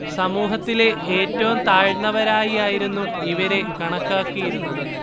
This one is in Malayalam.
സമൂഹത്തിലെ ഏറ്റവും താഴ്ന്നവരായിയായിരുന്നു ഇവരെ കണക്കാക്കിയിരുന്നത്